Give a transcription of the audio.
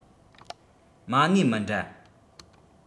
མ གནས མི འདྲ